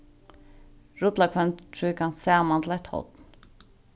rulla hvønn tríkant saman til eitt horn